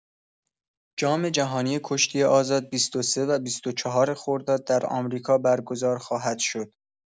جام‌جهانی کشتی آزاد، ۲۳ و ۲۴ خرداد در آمریکا برگزار خواهد شد.